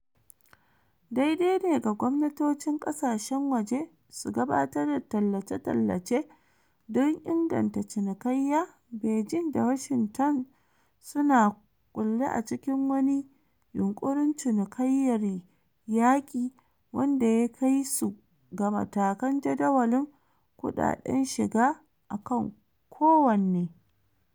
Daidai ne ga gwamnatocin kasashen waje su gabatar da tallace-tallace don inganta cinikayya, Beijing da Washington su na kulle a cikin wani yunkurin cinikayyar yaki wanda ya kai su ga matakan jadawalin kudaden shiga akan kowane.